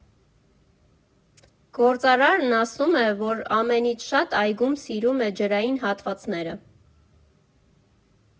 Գործարարն ասում է, որ ամենից շատ այգում սիրում է ջրային հատվածները.